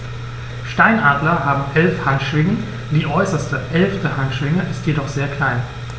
Steinadler haben 11 Handschwingen, die äußerste (11.) Handschwinge ist jedoch sehr klein.